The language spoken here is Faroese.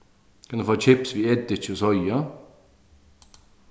kann eg fáa kips við ediki og soya